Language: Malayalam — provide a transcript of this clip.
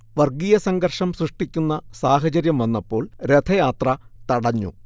വർഗീയസംഘർഷം സൃഷ്ടിക്കുന്ന സാഹചര്യം വന്നപ്പോൾ രഥയാത്ര തടഞ്ഞു